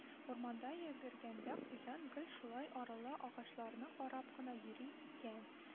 Урманда йөгергәндә куян гел шулай аралы агачларны карап кына йөри икән